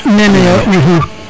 nene yo